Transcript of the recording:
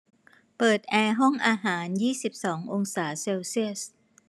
เปิดแอร์ห้องอาหารยี่สิบสององศาเซลเซียส